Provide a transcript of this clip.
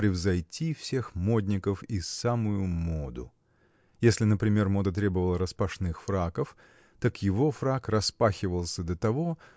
превзойти всех модников и самую моду. Если например мода требовала распашных фраков так его фрак распахивался до того